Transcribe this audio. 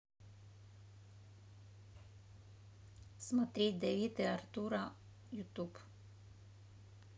смотреть давид и артура ютуб